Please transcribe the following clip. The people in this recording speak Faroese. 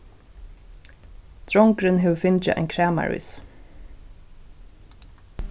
drongurin hevur fingið ein kramarís